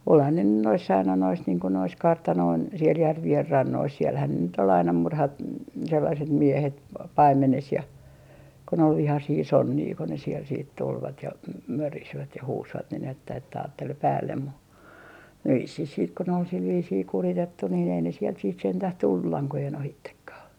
olihan ne nyt noissa aina noissa niin kun noissa kartanoiden siellä järvien rannoissa siellähän ne nyt oli aina - sellaiset miehet paimenessa ja kun oli vihaisia sonneja kun ne sieltä sitten tulivat ja mörisivät ja huusivat niin että että ajatteli päälle mutta vissiin sitten kun ne oli sillä viisiin kuritettu niin ei ne sieltä sitten sentään tullut lankojen ohitsekaan